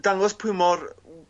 dangos pwy mor w-